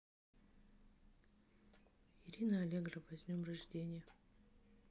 ирина аллегрова с днем рождения